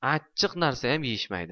achchiq narsayam yeyishmaydi